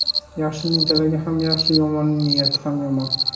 yaxshining tilagi ham yaxshi yomonning niyati ham yomon